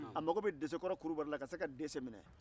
a mago bɛ desekɔrɔ kulubali ka se ka dese minɛ